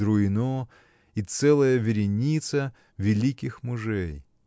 Друино – и целая вереница великих мужей!